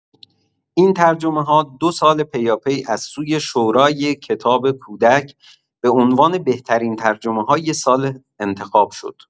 این ترجمه‌ها دو سال پیاپی از سوی شورای کتاب کودک به عنوان بهترین ترجمه‌های سال انتخاب شد.